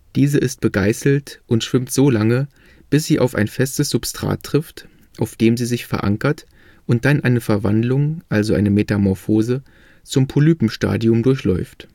Diese ist begeißelt und schwimmt so lange, bis sie auf ein festes Substrat trifft, auf dem sie sich verankert und dann eine Verwandlung (Metamorphose) zum Polypenstadium durchläuft